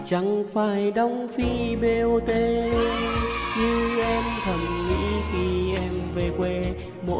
chẳng phải đóng phí bot như em thầm nghĩ khi em về quê